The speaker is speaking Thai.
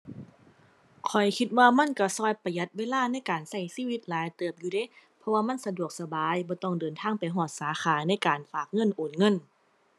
ข้อยคิดว่ามันก็ก็ประหยัดเวลาในการก็ชีวิตหลายเติบอยู่เดะ เพราะว่ามันสะดวกสบาย บ่ต้องเดินทางไปฮอดสาขา ในการฝากเงิน โอนเงิน